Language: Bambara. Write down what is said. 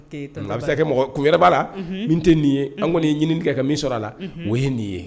Se mɔgɔ kun wɛrɛ b' la min tɛ nin ye an kɔni ɲini ka min sɔrɔ a la o ye nin ye